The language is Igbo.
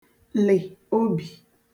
lị̀ obì